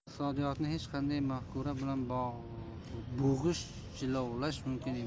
iqtisodiyotni hech qanday mafkura bilan bo'g'ish jilovlash mumkin emas